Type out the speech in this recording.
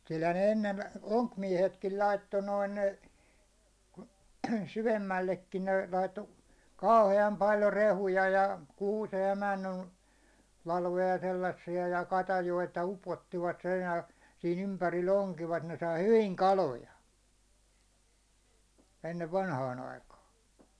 kyllähän ne ennen onkimiehetkin laittoi noin syvemmällekin ne laittoi kauhean paljon rehuja ja kuusen ja männyn latvoja sellaisia ja katajia upottivat reunalle siinä ympärillä onkivat ne sai hyvin kaloja ennen vanhaan aikaan